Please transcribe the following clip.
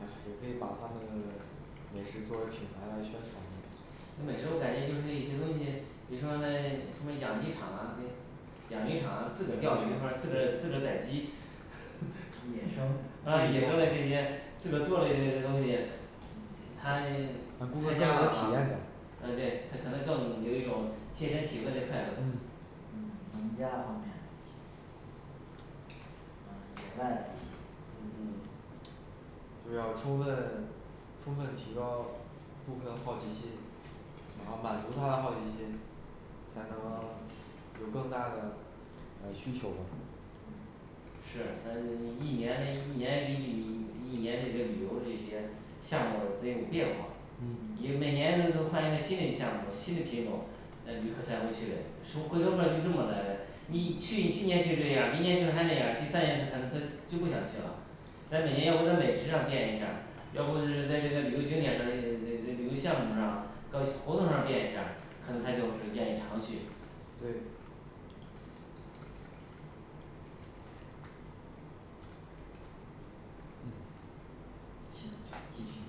唉也可以把他们 美食作为品牌来宣传的。美食我感觉就是一些东西，比如说 什么养鸡场啊比养鸡场啊自个儿钓鱼或者自个儿自个儿宰鸡， 野生，嗯野生的这些自个儿做的这些东西，他让顾客更参加有了体，验感，嗯嗯对他可能更有一种切身体会的态度。嗯农家方面行嗯野外的一些入住就是要充分充分提高顾客好奇心，然后满足他的好奇心，才能 有更大的呃需求吧嗯是咱一年一年你比一年这个旅游这些项目儿得有变化，嗯你每年都都换一个新嘞项目儿新嘞品种儿，呃旅客才会去嘞胡 回头客儿就这么来嘞，你去去年就这样儿，明年去还那样儿，第三年他他就不想去了咱每年要不在美食上变一下儿，要不咱就在这个旅游景点儿上这这这旅游项目上搞活动上变一下儿，可能他就会愿意常去对嗯行，继续